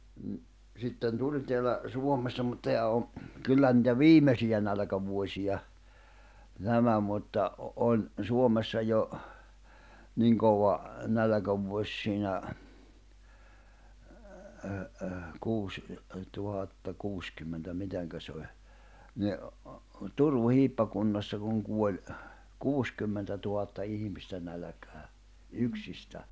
no sitten tuli täällä Suomessa mutta tämä on kyllä niitä viimeisiä nälkävuosia nämä mutta - oli Suomessa jo niin kova nälkävuosi siinä kuusi tuhatta kuusikymmentä miten se oli niin Turun hiippakunnassa kun kuoli kuusikymmentätuhatta ihmistä nälkään yksistään